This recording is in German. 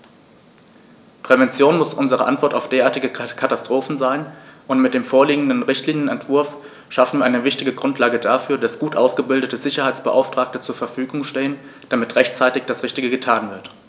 Prävention muss unsere Antwort auf derartige Katastrophen sein, und mit dem vorliegenden Richtlinienentwurf schaffen wir eine wichtige Grundlage dafür, dass gut ausgebildete Sicherheitsbeauftragte zur Verfügung stehen, damit rechtzeitig das Richtige getan wird.